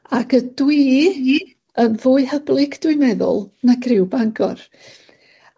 ac y dwi yn fwy hyblyg, dwi'n meddwl, na criw Bangor.